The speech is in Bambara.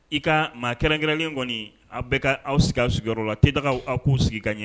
I ka maa kɛrɛnkɛrɛnlen kɔni, aw bɛɛ ka aw sigi aw sigiyɔrɔ la i ka tedagaw sigi ka ɲɛn.